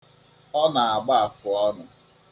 Ọ na-agba àfùọnụ̄.